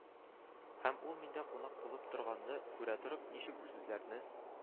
Һәм ул миндә кунак булып торганны күрә торып, ничек бу сүзләрне